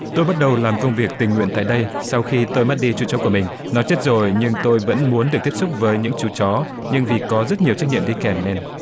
tôi bắt đầu làm công việc tình nguyện tại đây sau khi tôi mất đi chú chó của mình nó chết rồi nhưng tôi vẫn muốn được tiếp xúc với những chú chó nhưng vì có rất nhiều trách nhiệm đi kèm nên